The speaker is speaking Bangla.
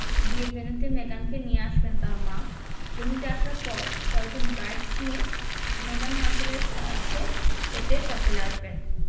বিয়ের ভেন্যুতে মেগানকে নিয়ে আসবেন তাঁর মা ভেন্যুতে আসার পর কয়েকজন ব্রাইডস মেড মেগান মার্কেলের সাথে হেঁটে চাপেলে আসবেন